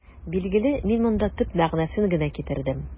Билгеле, мин монда төп мәгънәсен генә китердем.